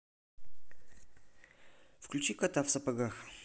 включи кота в сапогах